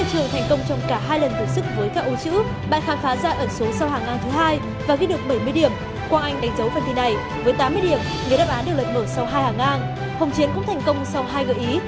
trường thành công trong cả hai lần thử sức với các ô chữ bạn khám phá ra ẩn số sau hàng tháng thứ hai và ghi được bảy mươi điểm quang anh đánh dấu phần thi này với tám mươi điểm về đáp án được lật mở sau hai hàng ngang hồng chiến cũng thành công sau hai gợi ý